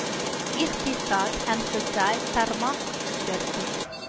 Икътисад һәм социаль тармак үзгәртү